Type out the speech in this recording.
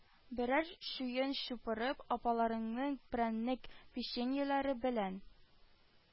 Берәр чуен шупырып, апаларының прәннек-печеньеләре белән